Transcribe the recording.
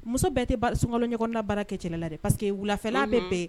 Muso bɛɛ tɛ ba sunkalo ɲɛkɔnɔna baara kɛ cɛla la dɛ parce que wulafɛ la,. Unhun! . Bɛɛ bɛn